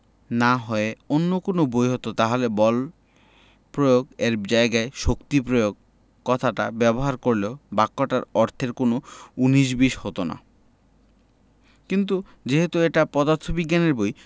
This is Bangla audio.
না হয়ে অন্য কোনো বই হতো তাহলে বল প্রয়োগ এর জায়গায় শক্তি প্রয়োগ কথাটা ব্যবহার করলেও বাক্যটায় অর্থের কোনো উনিশ বিশ হতো না কিন্তু যেহেতু এটা পদার্থবিজ্ঞানের বই